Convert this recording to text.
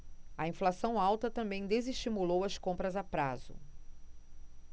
a inflação alta também desestimulou as compras a prazo